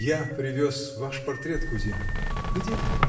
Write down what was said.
— Я привез ваш портрет, кузина. — Где?